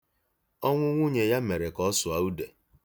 Ọnwụ nwunye ya mere ka ọ sụọ ude.